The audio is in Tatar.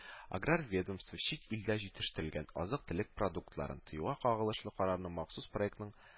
Аграр ведомство чит илдә җитештерелгән азык-төлек продуктларын тыюга кагылышлы карарның махсус проектның